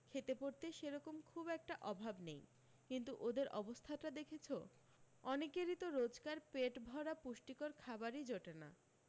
খেতে পড়তে সেরকম খুব একটা অভাব নেই কিন্তু ওদের অবস্থাটা দেখেছ অনেকেরি তো রোজকার পেটভরা পুষ্টিকর খাবারী জোটে না